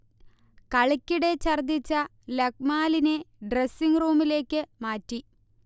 കളിക്കിടെ ഛർദിച്ച ലക്മാലിനെ ഡ്രസിങ്ങ് റൂമിലേക്ക് മാറ്റി